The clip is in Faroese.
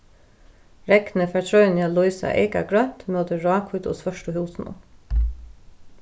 regnið fær trøini at lýsa eyka grønt móti ráhvítu og svørtu húsunum